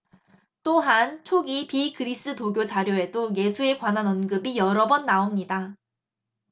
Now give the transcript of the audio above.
또한 초기 비그리스도교 자료에도 예수에 관한 언급이 여러 번 나옵니다